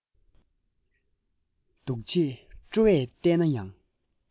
འདུག ཅེས སྤྲོ བས བརྟས ན ཡང